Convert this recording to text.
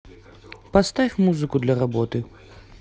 поставь музыку для работы